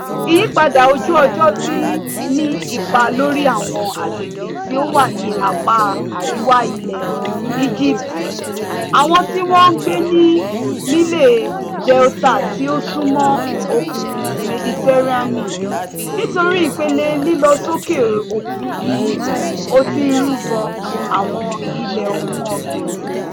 Ìyípadà ojú ọjọ́ tí ń ní ipa lórí àwọn àgbègbè tí ó wà ní apá àríwá ilẹ̀ Íjíbítì, àwọn tí wọ́n ń gbé ní Nile delta tí ó súnmọ́ òkun Mediterranean nítorí ìpele lílọ sókè òkun ni ó ti ń ru bo àwọn ilẹ̀ ohun ọgbìn.